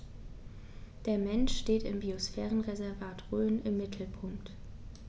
Der Mensch steht im Biosphärenreservat Rhön im Mittelpunkt.